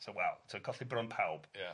So waw, ti'bod colli bron pawb. Ia.